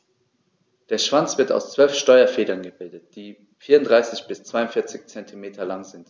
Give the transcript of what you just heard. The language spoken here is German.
Der Schwanz wird aus 12 Steuerfedern gebildet, die 34 bis 42 cm lang sind.